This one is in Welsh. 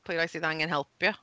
Pwy rai sydd angen help ie?